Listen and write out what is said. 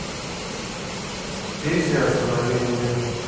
песня останови меня